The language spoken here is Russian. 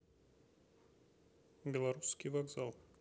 белорусский вокзал